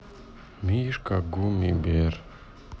мишка гуммибер